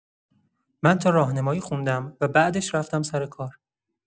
من تا راهنمایی خوندم و بعدش رفتم سر کار.